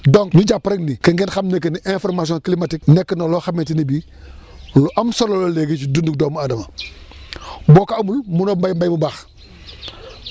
donc ñu jàpp rek ni que ngeen xam ne que ni information climatique nekk na loo xamante ni bii lu am solo la léegi si dundu doomu aadama boo ko amul munoo béy mbéy bu baax